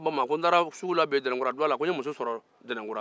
a ko mama n ye muso sɔrɔ dɛnɛnkura dɔgɔ la bi